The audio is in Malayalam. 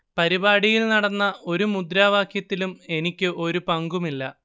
പരിപാടിയിൽ നടന്ന ഒരു മുദ്രാവാക്യത്തിലും എനിക്ക് ഒരു പങ്കുമില്ല